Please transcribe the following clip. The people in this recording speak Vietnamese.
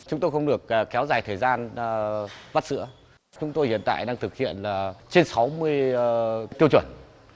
chúng tôi không được ờ kéo dài thời gian ờ vắt sữa chúng tôi hiện tại đang thực hiện là trên sáu mươi ờ tiêu chuẩn